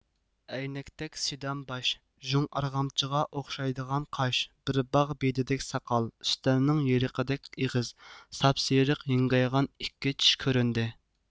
ئەينەكتەك سىدام باش ژۇڭ ئارغامچىغا ئوخشايدىغان قاش بىر باغ بېدىدەك ساقال ئۈستەلنىڭ يېرىقىدەك ئېغىز ساپسېرىق ھىڭگايغان ئىككى چىش كۆرۈندى